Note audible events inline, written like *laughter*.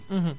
*hesitation* *hesitation*